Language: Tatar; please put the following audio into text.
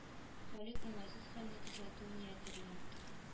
Халик уңайсыз хәлне төзәтү нияте белән